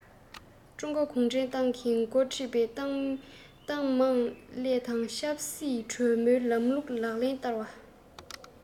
ཀྲུང གོ གུང ཁྲན ཏང གིས འགོ ཁྲིད པའི ཏང མང མཉམ ལས དང ཆབ སྲིད གྲོས མོལ ལམ ལུགས ལག ལེན བསྟར བ